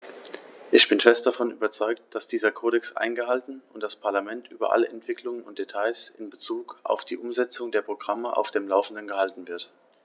Ich bin fest davon überzeugt, dass dieser Kodex eingehalten und das Parlament über alle Entwicklungen und Details in bezug auf die Umsetzung der Programme auf dem laufenden gehalten wird.